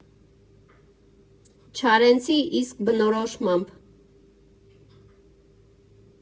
Չարենցի իսկ բնորոշմամբ։